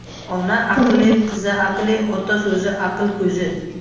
ona aqli qiz aqli ota so'zi aql ko'zi